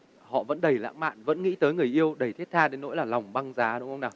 họ vẫn đầy lãng mạn vẫn nghĩ tới người yêu đầy thiết tha đến nỗi là lòng băng giá đúng không nào